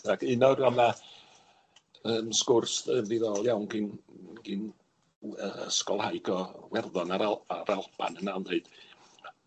Ac un o'r... Ro'dd 'na yym sgwrs yy ddiddorol iawn gin gin yy ysgolhaig o Werddon a'r Al- a'r Alban yna yn deud